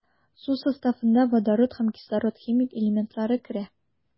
Су составына водород һәм кислород химик элементлары керә.